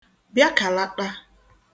bịakạlaṭa